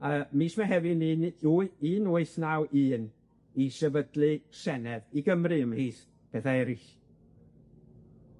Yy mis Mehefin un mi- wyth un wyth naw un i sefydlu Senedd i Gymru ymhlith pethau eryll.